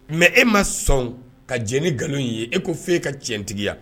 Mais e ma sɔn ka jɛn ni nkalon ye, e ko f'e ka tiɲɛtigiya.